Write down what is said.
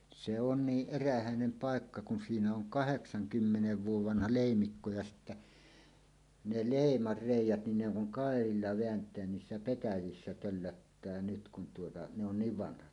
se on niin erähäinen paikka kun siinä on kahdeksankymmenen vuoden vanha leimikko ja sitten ne leiman reiät niin ne on kun kairalla vääntää niissä petäjissä töllöttää nyt kun tuota ne on niin vanhat